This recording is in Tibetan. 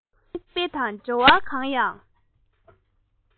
ད ནི དཔེ དང འགྲེལ བ གང ཡང